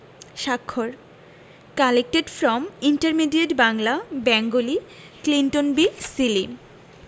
স্বাক্ষর collected from intermediate Bangla Bengali Clinton B Seely